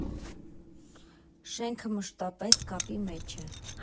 Շենքը մշտապես կապի մեջ է։